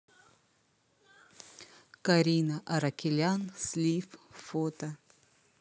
карина аракелян слив фото